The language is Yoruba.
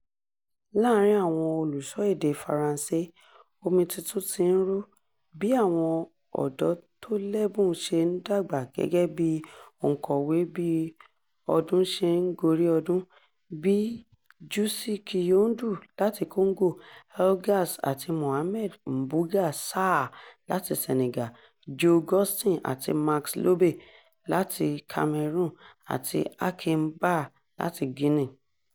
Láàárín àwọn olùsọ èdè Faransé, omi tuntun ti ń rú, bí àwọn ọ̀dọ́ tó lẹ́bùn ṣe ń dàgbà gẹ́gẹ́ bíi òǹkọ̀wé bí ọdún ṣe ń gorí ọdún, bíi Jussy Kiyindou láti Congo, Elgas àti Mohamed Mbougar Sarr láti Sénégal, Jo Güstin àti Max Lobé láti Cameroon, àti Hakim Bah láti Guinea.